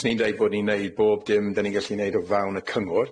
S'n i'n dweud bod ni'n neud bob dim 'dyn ni'n gallu neud o fewn y cyngor.